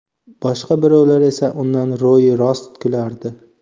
boshqa birovlar esa undan ro'yirost kulardi